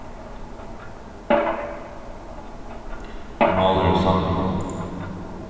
mál er ein samrøða